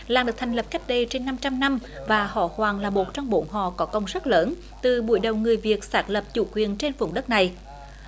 làng được thành lập cách đây trên năm trăm năm và họ hoàng là một trong bốn họ có công rất lớn từ buổi đầu người việt xác lập chủ quyền trên vùng đất này